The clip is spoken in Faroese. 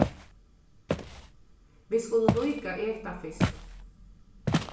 vit skulu líka eta fyrst